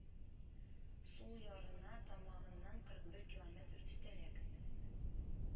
Сул ярына тамагыннан кырык бер километр өстәрәк